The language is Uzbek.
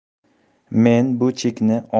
men bu chekni